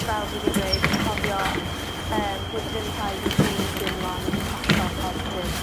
fel fi 'di gweud, cofio, yym bod ddim rhaid i ti dimlo'n hollol positif